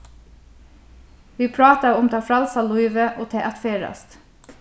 vit prátaðu um tað frælsa lívið og tað at ferðast